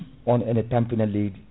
on ene tampina leydi